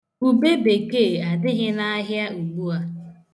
Ubebekee adịghị n'ahịa ugbua.